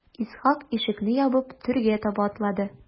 Исхак ишекне ябып түргә таба атлады.